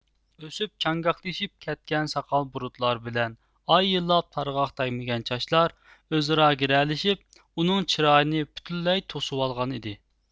ئۆسۈپ چاڭگاكلىشىپ كەتكەن ساقال بۇرۇتلار بىلەن ئاي يىللاپ تارغاق تەگمىگەن چاچلار ئۆزئارا گىرەلىشىپ ئۇنىڭ چىرايىنى پۈتۈنلەي توسۇۋالغانىدى